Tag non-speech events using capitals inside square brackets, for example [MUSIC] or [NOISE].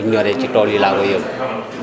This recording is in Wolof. bu ñoree ci tool yi laa koy yóbbu [CROSSTALK]